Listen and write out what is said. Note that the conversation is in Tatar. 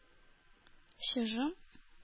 Чыжым